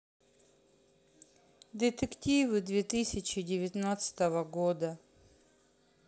детективы две тысячи девятнадцатого года